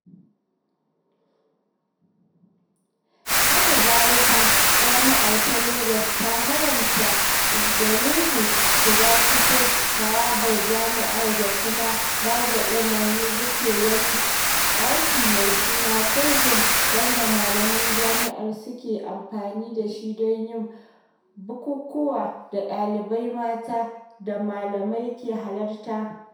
Haka zalika, Jami'ar ta Legas ta haramtawa Igbeneghu shiga cikin harabar Jami'ar da kuma ba da umarnin rufe wani ɗaki mai suna "cold room" wanda malaman jami'ar suke amfani da shi don yin bukukuwa da ɗalibai mata da malamai ke halarta.